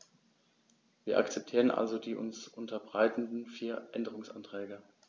Wir akzeptieren also die uns unterbreiteten vier Änderungsanträge.